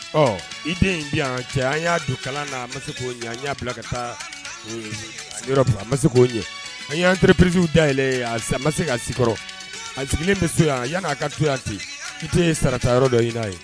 Ɔ i den in bi yan cɛ an y'a don kalan na,a ma se k'a ɲan y'a bila ka taa en Europe mais a ma se k'a ɲan. An ye entreprises dayɛlɛn a m'a se a si kɔrɔ. A sigilen bɛ so yan, yan'i a ka to yan ten, i tɛ sarata yɔrɔ dɔ ɲini a ye?